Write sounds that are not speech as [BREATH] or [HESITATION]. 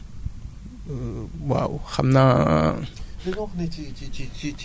[HESITATION] [BREATH] bon [HESITATION] waaw xam naa [HESITATION]